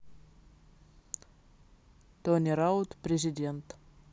тони раут президент